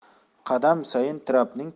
qadam sayin trapning